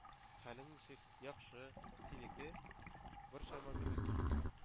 “хәлең ничек? яхшы? синеке? бер чама” кебек